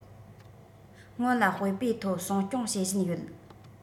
སྔོན ལ དཔེ པོས ཐོ སྲུང སྐྱོང བྱེད བཞིན ཡོད